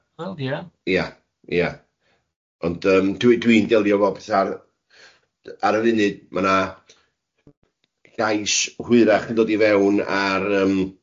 Oh ie... Ia, ia. Ond yym dwi dwi'n delio efo petha... Ar y funud ma' 'na gais hwyrach yn dod i fewn ar yym